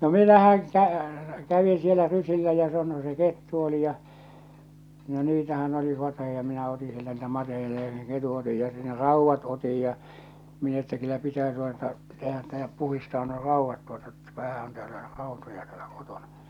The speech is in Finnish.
no minähän - kävin siellä rysillä ja samoin se kettu oli ja no niitähän oli mateita ja minä otin sieltä niitä mateita ja sen ketun otin ja sen raudat otin ja minä että kyllä pitää tuota tehdä että ja puhdistaa nuo raudat tuota että vähän on täällä rautoja täällä kotona